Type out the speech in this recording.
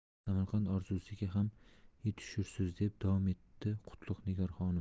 samarqand orzusiga ham yetishursiz deb davom etdi qutlug' nigor xonim